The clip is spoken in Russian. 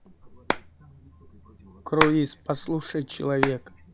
круиз послушай человек